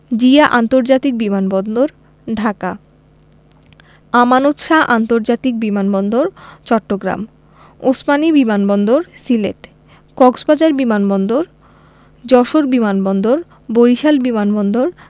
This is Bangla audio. জিয়া আন্তর্জাতিক বিমান বন্দর ঢাকা আমানত শাহ্ আন্তর্জাতিক বিমান বন্দর চট্টগ্রাম ওসমানী বিমান বন্দর সিলেট কক্সবাজার বিমান বন্দর যশোর বিমান বন্দর বরিশাল বিমান বন্দর